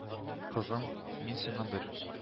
Кызым, мин сиңа бер